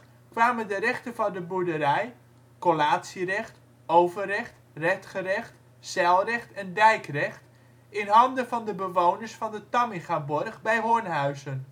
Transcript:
kwamen de rechten van de boerderij (collatierecht, overrecht, redgerrecht, zijlrecht en dijkrecht) in handen van de bewoners van de Tammingaborg bij Hornhuizen